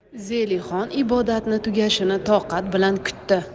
zelixon ibodatning tugashini toqat bilan kutdi